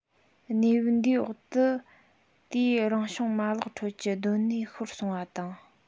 གནས བབ འདིའི འོག ཏུ དེའི རང བྱུང མ ལག ཁྲོད ཀྱི སྡོད གནས ཤོར སོང བ དང